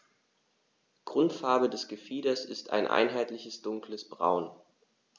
Grundfarbe des Gefieders ist ein einheitliches dunkles Braun.